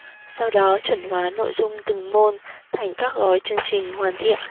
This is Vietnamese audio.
sau đó chuẩn hóa nội dung từng môn thành các gói chương trình hoàn thiện